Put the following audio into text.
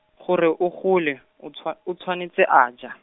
gore o gole, o tshwa, o tshwanetse a ja.